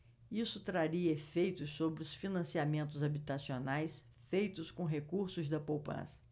isso traria efeitos sobre os financiamentos habitacionais feitos com recursos da poupança